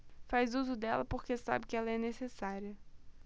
faz uso dela porque sabe que ela é necessária